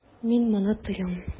Мин моны тоям.